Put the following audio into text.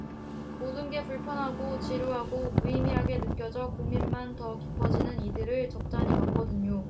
모든 게 불편하고 지루하고 무의미하게 느껴져 고민만 더 깊어지는 이들을 적잖이 봤거든요